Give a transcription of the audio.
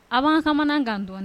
A b’an kamana gan dɔnni.